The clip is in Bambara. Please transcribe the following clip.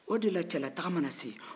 o de la cɛla taga mana se